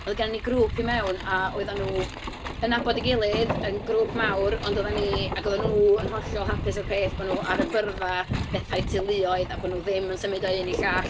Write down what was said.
Ond oedd gennym ni grŵp i mewn a oedden nhw yn 'nabod ei gilydd, yn grŵp mawr. Ond oedden ni... ac oedden nhw yn hollol hapus o'r peth bo' nhw ar y byrddau bethau teuluoedd a bo' nhw ddim yn symud o un i llall.